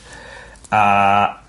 a